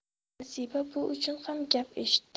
nasiba bu uchun ham gap eshitdi